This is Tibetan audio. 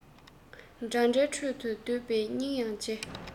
འདྲ འདྲའི ཁྲོད དུ སྡོད པ སྙིང ཡང རྗེ